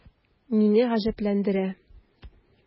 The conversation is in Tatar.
Мине гаҗәпләндерә: